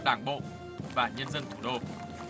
đảng bộ và nhân dân thủ đô